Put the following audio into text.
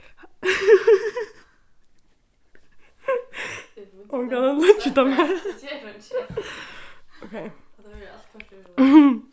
ókey